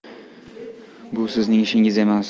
bu sizning ishingiz emas